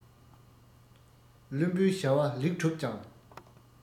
བླུན པོས བྱ བ ལེགས གྲུབ ཀྱང